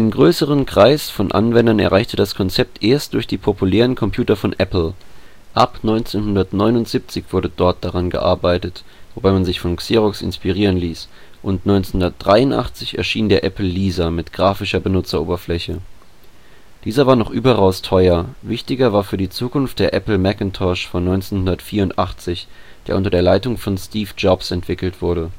größeren Kreis von Anwendern erreichte das Konzept erst durch die populäreren Computer von Apple. Ab 1979 wurde dort daran gearbeitet, wobei man sich von Xerox inspirieren ließ, und 1983 erschien der Apple Lisa mit grafischer Benutzeroberfläche. Dieser war noch überaus teuer, wichtiger war für die Zukunft der Apple Macintosh von 1984, der unter der Leitung von Steve Jobs entwickelt wurde